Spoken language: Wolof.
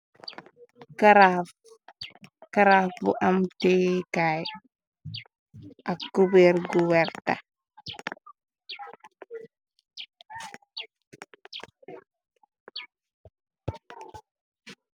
karaaf karaaf bu am teye kaye ak kuberr gu werta.